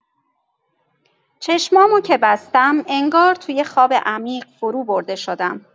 چشمامو که بستم، انگار تو یه خواب عمیق فروبرده شدم.